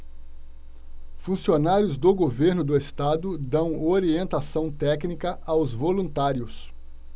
funcionários do governo do estado dão orientação técnica aos voluntários